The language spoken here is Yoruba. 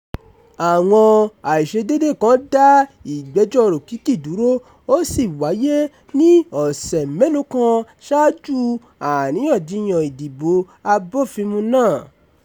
Àwọn àìṣedede kan dá ìgbẹ́jọ́ Rukiki dúró, ó sì wáyé ní ọ̀sẹ̀ mélòó kan ṣáájú àríyànjiyàn ìdìbò abófinmu náà.